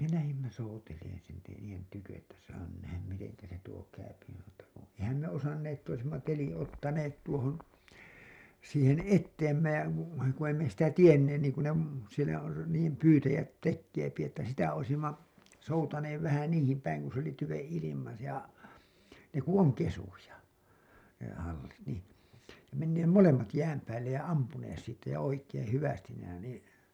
me lähdimme soutelemaan silti niiden tykö että saa nyt nähdään miten se tuo käy mutta kun eihän me osanneet että olisimme teliä ottaneet tuohon siihen eteemme ja kun ei me sitä tiedetty niin kuin ne - siellä - niiden pyytäjät tekee että sitä olisimme soutaneet vähän niihin päin kun se oli tyven ilma ja ne kun on kesyjä ne hallit niin ja menneet molemmat jään päälle ja ampuneet siitä ja oikein hyvästi nähneet niin